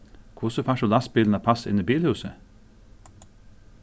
hvussu fært tú lastbilin at passa inn í bilhúsið